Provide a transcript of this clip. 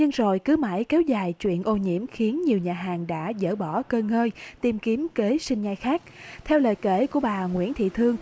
nhưng rồi cứ mãi kéo dài chuyện ô nhiễm khiến nhiều nhà hàng đã dỡ bỏ cơ ngơi tìm kiếm kế sinh nhai khác theo lời kể của bà nguyễn thị thương